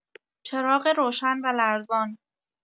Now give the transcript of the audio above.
چراغ روشن و لرزان